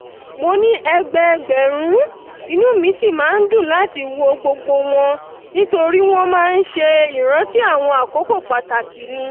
Mo ní ẹgbẹẹgbẹ̀rún, inú mi sì máa ń dùn láti wo gbogbo wọ́n, nítorí wọ́n máa ń ṣe ìrántí àwọn àkókò pàtàkì ni.